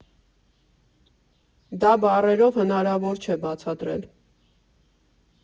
Դա բառերով հնարավոր չէ բացատրել։